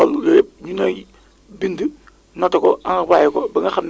xam nga li ñuy wax rek moom mooy que le changement climatique là nekkatul un slogan